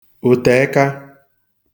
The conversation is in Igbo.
òteẹka